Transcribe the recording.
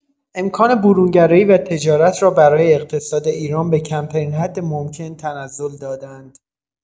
امکان برون‌گرایی و تجارت را برای اقتصاد ایران به کم‌ترین حد ممکن تنزل داده‌اند.